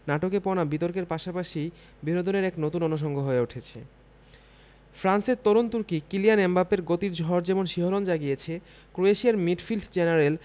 নাটুকেপনা বিতর্কের পাশাপাশি বিনোদনের এক নতুন অনুষঙ্গ হয়ে উঠেছে ফ্রান্সের তরুণ তুর্কি কিলিয়ান এমবাপ্পের গতির ঝড় যেমন শিহরণ জাগিয়েছে ক্রোয়েশিয়ার মিডফিল্ড জেনারেল